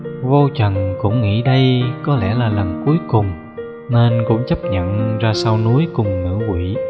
vô trần cũng nghĩ đây có lẽ là lần cuối cùng nên cũng chấp nhận ra sao núi cùng nữ quỷ